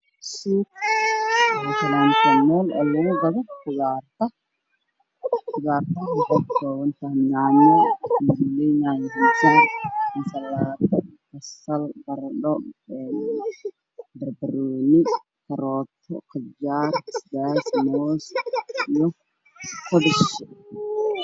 Waa meel khudaar badan ay fadhiyaan khudaarta waxay ka kooban tahay yaanyo basaal barado banbanooni maamullada waa gaduud